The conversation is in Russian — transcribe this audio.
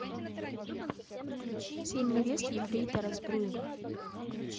семь невест ефрейтора збруева